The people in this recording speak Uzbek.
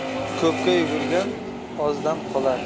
ko'pga yugurgan ozdan qolar